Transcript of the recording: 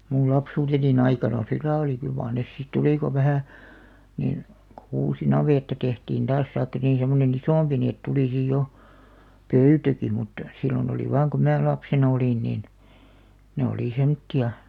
minun lapsuuteni aikana sillä lailla oli kyllä mar ne sitten tuli kun vähän niin kun uusi navetta tehtiin taas tai niin semmoinen isompi niin että tuli sitten jo pöytäkin mutta silloin oli vain kun minä lapsena olin niin ne oli semmoisia